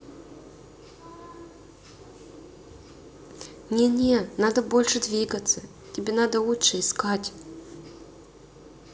не не не надо больше двигаться тебе надо лучше искать